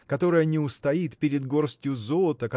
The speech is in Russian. которая не устоит перед горстью золота